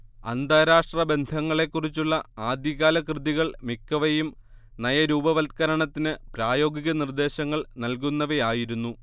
അന്താരാഷ്ട്രബന്ധങ്ങളെക്കുറിച്ചുള്ള ആദ്യകാലകൃതികൾ മിക്കവയും നയരൂപവത്കരണത്തിന് പ്രായോഗിക നിർദ്ദേശങ്ങൾ നൽകുന്നവയായിരുന്നു